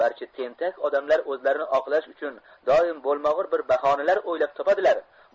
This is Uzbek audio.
barcha tentak odamlar o'zlarini oqlash uchun doim bo'lmag'ur bir bahonalar o'ylab topadilar